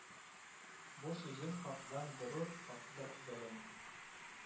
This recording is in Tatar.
Бу сүзем Хакдан дорур, хакдыр, белең